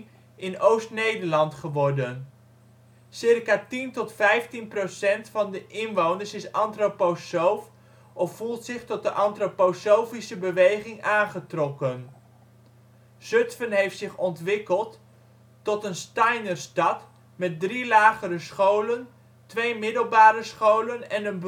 in Oost-Nederland geworden. Circa 10 tot 15 procent van de inwoners is antroposoof of voelt zich tot de antroposofische beweging aangetrokken. Zutphen heeft zich ontwikkeld tot een Steiner-stad met drie lagere scholen, twee middelbare scholen en